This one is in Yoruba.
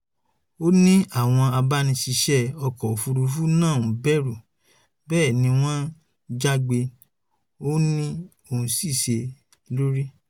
Ó ní àwọn abániṣíṣẹ́ ọkọ̀-òfúrufú náà ń bẹ̀rù, bẹ́ẹ̀ni wọ́n ń jágbe. Ó ní òun ṣìṣe lórí.